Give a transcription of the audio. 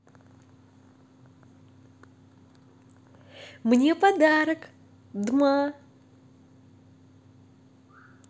мне подарок дма